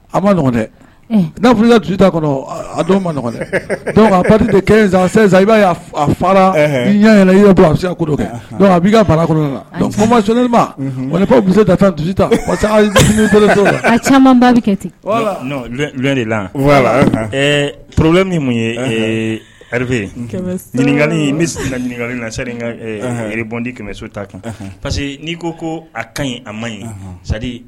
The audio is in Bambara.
A ma nɔgɔ dɛ n'fila dusu ta kɔnɔ a don maɔgɔn dɛ pa kɛ zan i b'a' fara ɲ ɲɛna i a se ko a b'i ka fara ma ko muso da tan ta parce la a caman ten de la poro min mun ye pka ɲininkakali na sebɔndi kɛmɛ sota kan pa que n'i ko ko a ka ɲi a man ɲi sadi